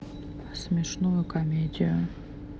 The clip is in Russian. смешную комедию